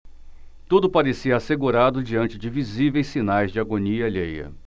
tudo parecia assegurado diante de visíveis sinais de agonia alheia